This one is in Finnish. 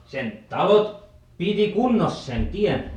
sen talot piti kunnossa sen tien